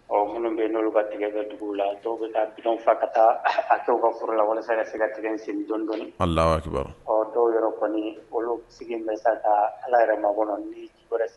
Ɔ minnu bɛ yen n'olu ka tigɛ bɛ dugu la, dɔw bɛ taa bidon fa ka taa ton u ka forola walasa ka se ka tigɛ sen dɔni dɔni, Alahu akbar ɔ dɔw yɛrɛ kɔni, olu sigilen bɛsa ka Ala yɛrɛ makɔnɔ ni ji wɛrɛ